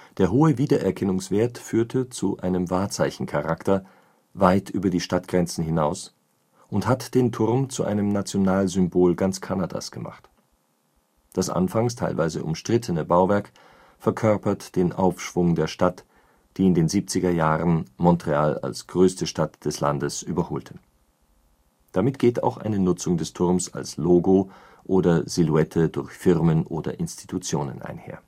Der hohe Wiedererkennungswert führte zu einem Wahrzeichencharakter, weit über die Stadtgrenzen hinaus und hat den Turm zu einem Nationalsymbol ganz Kanadas gemacht. Das anfangs teilweise umstrittene Bauwerk verkörpert den Aufschwung der Stadt, die in den 1970er Jahren Montreal als größte Stadt des Landes überholte. Damit geht auch eine Nutzung des Turms als Logo oder Silhouette durch Firmen oder Institutionen einher